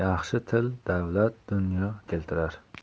yaxshi til davlat dunyo keltirar